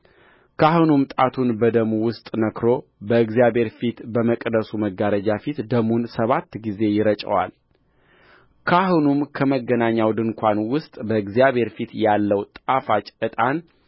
ካህኑም ጣቱን በደሙ ውስጥ ነክሮ በእግዚአብሔር ፊት በመቅደሱ መጋረጃ ፊት ደሙን ሰባት ጊዜ ይረጨዋልካህኑም በመገናኛው ድንኳን ውስጥ በእግዚአብሔር ፊት ያለው ጣፋጭ ዕጣን